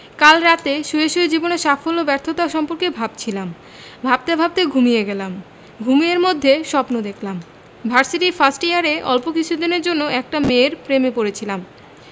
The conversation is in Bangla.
কাল রাতে শুয়ে শুয়ে জীবনের সাফল্য ব্যর্থতা সম্পর্কে ভাবছিলাম ভাবতে ভাবতে ঘুমিয়ে গেলাম ঘুমের মধ্যে স্বপ্ন দেখলাম ভার্সিটির ফার্স্ট ইয়ারে অল্প কিছুদিনের জন্য একটা মেয়ের প্রেমে পড়েছিলাম